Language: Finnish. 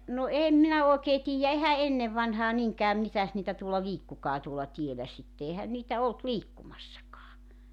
no en minä oikein tiedä eihän ennen vanhaan niinkään mitäs niitä tuolla liikkuikaan tuolla tiellä sitten eihän niitä ollut liikkumassakaan